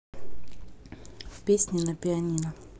песни на пианино